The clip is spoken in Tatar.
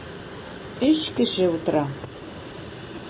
Өч кеше утыра.